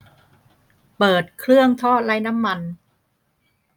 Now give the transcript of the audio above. เปิดเครื่องทอดไร้น้ำมัน